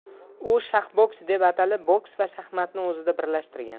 u shaxboks deb atalib boks va shaxmatni o'zida birlashtirgan